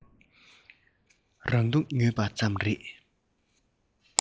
རང སྡུག ཉོས པ ཙམ རེད